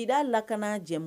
I'a lakana jɛ